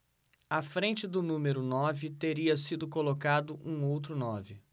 à frente do número nove teria sido colocado um outro nove